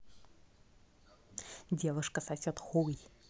девушка сосет хуй